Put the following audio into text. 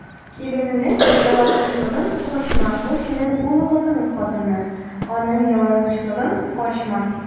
Киленеңнең ялангачлыгын ачма: ул - синең углыңның хатыны, аның ялангачлыгын ачма.